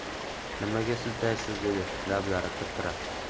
nimaga siltaysiz dedi lablari pirpirab